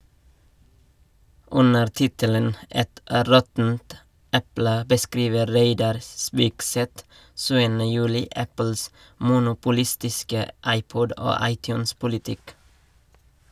Under tittelen «Et råttent eple» beskriver Reidar Spigseth 7. juli Apples monopolistiske iPod- og iTunes-politikk.